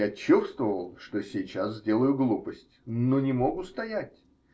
Я чувствовал, что сейчас сделаю глупость, -- но не мог устоять.